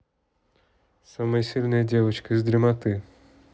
самая сильная девочка из дремоты